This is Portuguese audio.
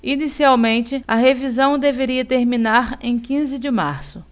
inicialmente a revisão deveria terminar em quinze de março